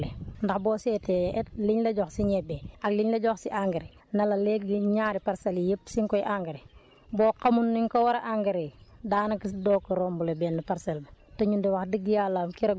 te xam nga ne engrais dafa am doole ndax boo seetee lién la jox si ñebe ak liñ la jox si engrais ne la léegi ñaari parcelles yii yëpp si nga koy engrais boo xamul ni nga ko war a engrais daanaka doo romble benn parcelle bi